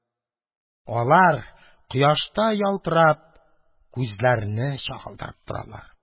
Алар, кояшта ялтырап, күзләрне чагылдырып торалар.